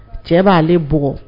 Cɛ b'ale bugɔ